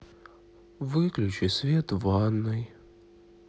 выключи свет в ванной